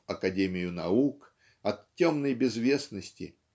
в Академию наук, от темной безвестности